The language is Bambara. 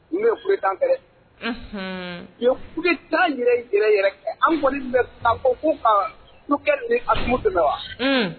N yeletan kɛrɛfɛ u ye kule sira yɛrɛ yɛrɛ yɛrɛ kɛ an kɔni tun bɛ fɔ k'u ku ni na wa